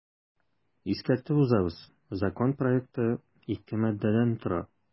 Искәртеп узабыз, закон проекты ике маддәдән тора.